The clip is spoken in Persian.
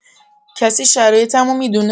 کسی شرایطمو می‌دونه؟